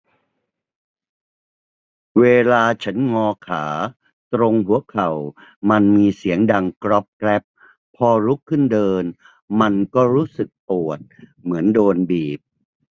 เวลาฉันงอขาตรงหัวเข่ามันมีเสียงดังกรอบแกรบพอลุกขึ้นเดินมันก็รู้สึกปวดเหมือนโดนบีบ